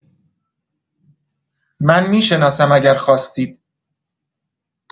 من می‌شناسم اگر خواستید